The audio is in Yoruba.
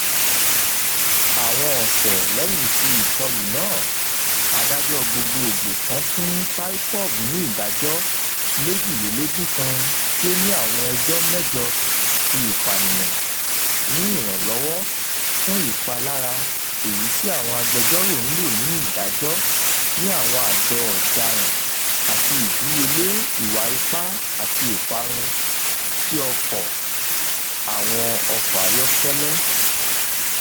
Àwọn ọ̀sẹ̀ lẹyìn ti ìkọlù náà, adájọ́ gbogboogbo kan fún Saipov ní ìdájọ́ 22 kan tí ó ní àwọn ẹjọ́ mẹjọ ti ìpànìyàn ní ìrànlọ́wọ́ fún ìpalára, èyí tí àwọn agbẹjọ́rò ń lò ni ìdájọ́ ní àwọn àjọ́ ọdaràn, àti ìdíyelé ìwà ìpá àti ìparun ti ọkọ àwọn ọkọ ayọ́kẹ́lẹ́.